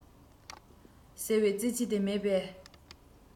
ཟེར བའི རྩེད ཆས དེ མེད པས